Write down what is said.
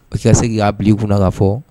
O' segin'a kunna ka fɔ